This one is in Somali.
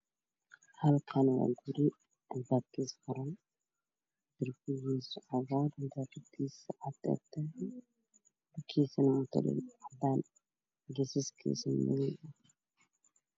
Halkan waa guri albabkisa furan yahay lababka cadan yhay misas madoow